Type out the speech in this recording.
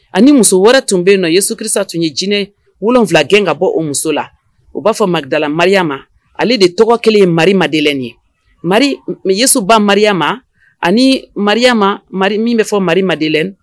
Ani muso wɛrɛ tun bɛ na yesu kirisa tun ye jinɛ wolonwula gɛn ka bɔ o muso la, u b'a fɔ a ma Dalamariama ale de tɔgɔ kelen ye mari Madelɛne ye, Mari yesu ba mariama ani mariama min bɛ fɔ Mari Madelɛne